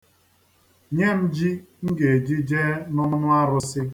Nye m ji m ga-eji jee n'ọnụ arụsị.